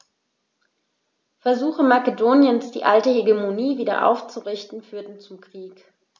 Versuche Makedoniens, die alte Hegemonie wieder aufzurichten, führten zum Krieg.